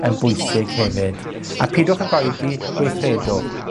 yn bwysig hefyd. A pidwch ag oedi, gweithredwch.